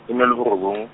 some le borobong.